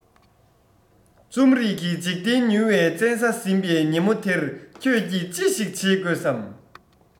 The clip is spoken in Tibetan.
རྩོམ རིག གི འཇིག རྟེན ཉུལ བའི བཙན ས ཟིན པའི ཉིན མོ དེར ཁྱོད ཀྱིས ཅི ཞིག བྱེད དགོས སམ